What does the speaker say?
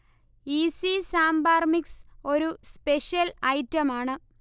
easy sambar mix ഒരു special ഐറ്റമാണ്